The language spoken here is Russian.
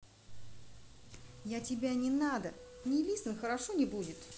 я тебя не надо не listen хорошо не будет